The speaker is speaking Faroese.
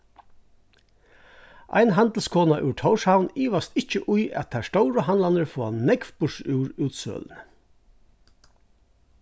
ein handilskona úr tórshavn ivast ikki í at teir stóru handlarnir fáa nógv burtur úr útsøluni